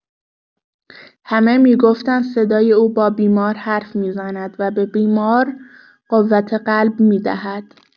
همه می‌گفتند صدای او با بیمار حرف می‌زند و به بیمار قوت قلب می‌دهد.